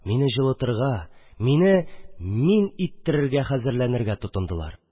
Мине җылытырга, мине «мин» иттерергә хәзерләнергә тотындылар